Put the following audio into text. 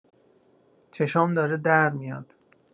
چشام داره در میاد